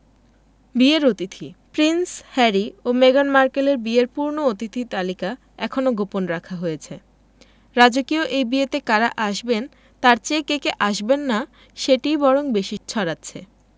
বিয়ের অতিথি prince Harry ও মেগান মার্কেলের বিয়ের পূর্ণ অতিথি তালিকা এখনো গোপন রাখা হয়েছে রাজকীয় এই বিয়েতে কারা আসবেন তার চেয়ে কে কে আসবেন না সেটিই বরং বেশি ছড়াচ্ছে